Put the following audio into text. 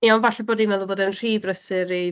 Ie, ond falle bod hi'n meddwl bod e'n rhy brysur i...